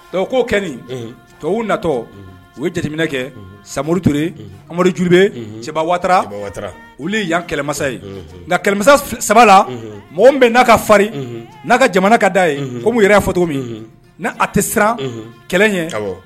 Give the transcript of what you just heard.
'o kɛi tɔwbabu natɔ u ye jateminɛ kɛ samuru toraur amadu juruurube cɛbawatara u yan kɛlɛmasa ye nka kɛlɛ saba mɔgɔ bɛ n'a ka fa n'a ka jamana ka da ye ko mun yɛrɛ'to min n'a a tɛ siran kɛlɛ ye